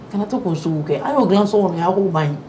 Kana to k'o sugiu kɛ an b'o dilan sogɔnɔ yen , a b'o ban yen.